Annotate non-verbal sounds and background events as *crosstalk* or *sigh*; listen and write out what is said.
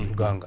*hesitation* *hesitation* ,gonga